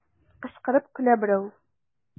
Кычкырып көлә берәү.